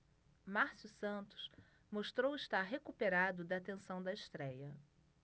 márcio santos mostrou estar recuperado da tensão da estréia